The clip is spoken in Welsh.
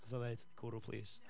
wnaeth o ddeud "cwrw, plis".